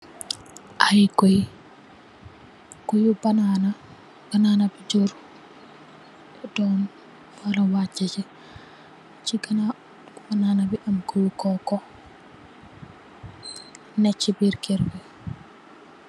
Ay gouyè, gouy yu banana, banana bi jurr dom hawa wacch chi. Chi ganaaw banana bi am gouyè coco nèchi bari kër bi.